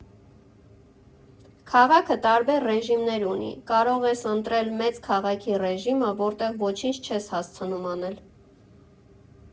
Քաղաքը տարբեր ռեժիմներ ունի՝ կարող ես ընտրել մեծ քաղաքի ռեժիմը, որտեղ ոչինչ չես հասցնում անել։